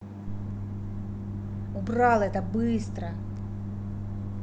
убрал это быстро